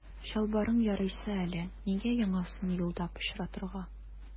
Чалбарың ярыйсы әле, нигә яңасын юлда пычратырга.